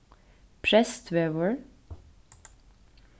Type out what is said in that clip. prestvegur